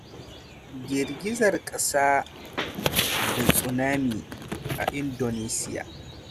Girgizar kasa da tsunami a Indonesia